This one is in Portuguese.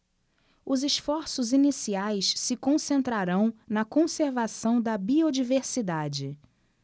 os esforços iniciais se concentrarão na conservação da biodiversidade